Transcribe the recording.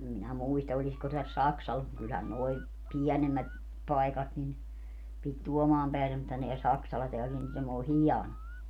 en minä muista olisiko tässä Saksalassa mutta kyllähän nuo pienemmät paikat niin piti Tuomaan päivää mutta nämä Saksala tämä Lind tämä on hieno